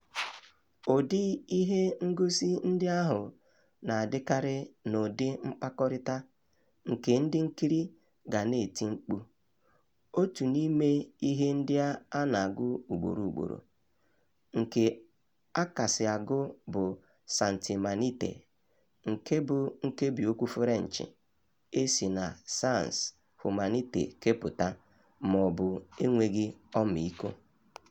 Ụdị ihe ngosi ndị ahụ na-adịkarị n'ụdị mkpakọrịta, nke ndị nkiri ga na-eti mkpu otu n'ime ihe ndị a na-agụ ugboro ugboro, nke a kasị agụ bụ "Santimanitay!" , nke bụ nkebiokwu Fụrenchị e si na "sans humanité” kepụta, ma ọ bụ "enweghị ọmiiko" .